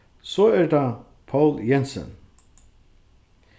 so er tað poul jensen